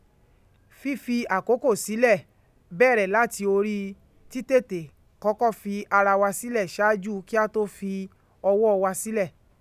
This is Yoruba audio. Fífi àkókò sílẹ̀ bẹ̀rẹ̀ láti orí títètè kọ́kọ́ fi ara wa sílẹ̀ ṣáájú kí a tó fi ọwọ́ wa sílẹ̀.